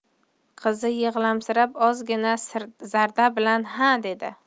qizi yig'lamsirab ozgina zarda bilan ha dedi